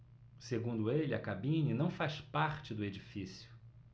segundo ele a cabine não faz parte do edifício